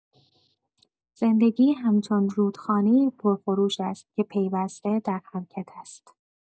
زندگی همچون رودخانه‌ای پرخروش است که پیوسته در حرکت است.